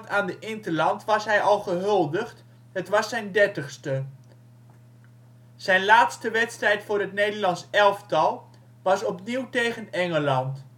aan de interland was hij al gehuldigd: het was zijn dertigste. Zijn laatste wedstrijd voor het Nederlands elftal was opnieuw tegen Engeland